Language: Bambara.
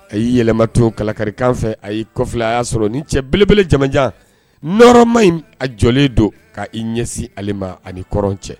A y'i yɛlɛma to kalakari fɛ a' kɔfi a y'a sɔrɔ ni cɛ belebele jamanajan nɔrɔ ma in a jɔlen don ka' i ɲɛsin ale ma aniɔrɔn cɛ